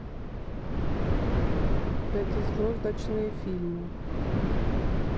пятизвездочные фильмы